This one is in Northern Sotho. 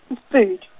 Pedi.